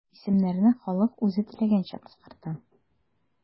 Исемнәрне халык үзе теләгәнчә кыскарта.